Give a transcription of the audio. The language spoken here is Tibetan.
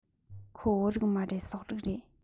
ཁོ བོད རིགས མ རེད སོག རིགས རེད